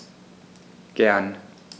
Gern.